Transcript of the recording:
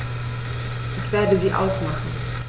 Ich werde sie ausmachen.